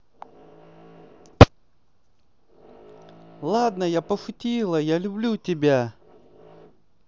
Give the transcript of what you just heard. ладно я пошутила я люблю тебя